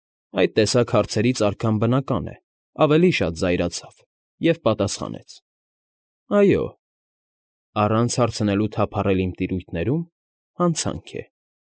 Այդ տեսակ հարցերից արքան, բնական է, ավելի շատ զայրացավ և պատասխանեց. ֊ Այո, առանց հարցնելու թափառել իմ տիրույթներում հանցանք է։